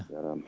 jarama